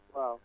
waaw